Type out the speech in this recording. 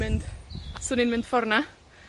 mynd, 'swn i'n mynd ffor 'na.